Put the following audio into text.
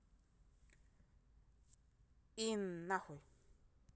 и нахуй